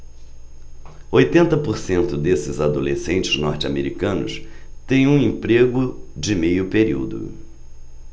oitenta por cento desses adolescentes norte-americanos têm um emprego de meio período